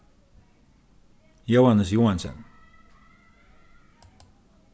jóannes joensen